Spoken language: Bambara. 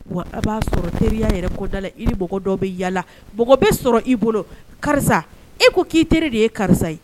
Wa a b'a sɔrɔ teriya yɛrɛ kɔda la i niɔgɔ dɔ bɛ yaalaɔgɔ bɛ sɔrɔ i bolo karisa e ko k'i teri de ye karisa ye